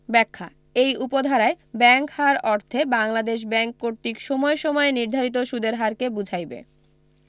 ব্যাখ্যা এই উপ ধারায় ব্যাংক হার অর্থে বাংলাদেশ ব্যাংক কর্তৃক সময় সময় নির্ধারিত সুদের হারকে বঝাইবে